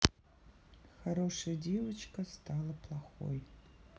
хорошая девочка стала плохой